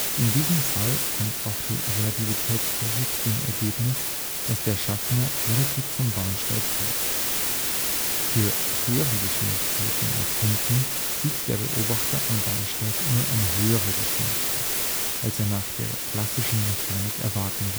In diesem Fall kommt auch die Relativitätstheorie zu dem Ergebnis, dass der Schaffner relativ zum Bahnsteig ruht. Für höhere Geschwindigkeiten nach hinten sieht der Beobachter am Bahnsteig nun eine höhere Geschwindigkeit, als er nach der klassischen Mechanik erwarten